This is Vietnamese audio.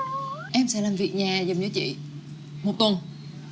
em sẽ làm việc nhà dùm cho chị một tuần